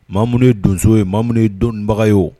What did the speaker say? Ma mununi ye donso ye ma mununi donbaga ye o